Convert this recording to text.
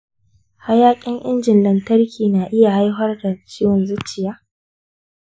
hayaƙin injin lantarki na iya haifar da ciwon zuciya?